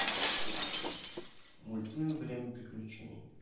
мультфильм время приключений